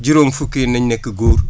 juróom fukk yi naénu nekk góor